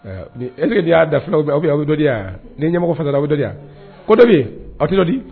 E y'a da ni ɲɛmɔgɔ ko dɔ bɛ a tɛo di